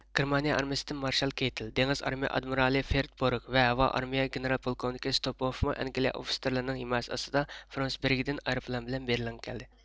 گېرمانىيە ئارمىيىسىدىن مارشال كېيتېل دېڭىز ئارمىيە ئادمېرالى فرېد بۇرگ ۋە ھاۋا ئارمىيە گېنېرال پولكوۋنىكى ستوپمپۇفمۇ ئەنگلىيە ئوفىتسېرلىرىنىڭ ھىمايىسى ئاستىدا فروسېنېبرگدىن ئايروپىلان بىلەن بېرلىنغا كەلدى